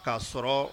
K'a sɔrɔ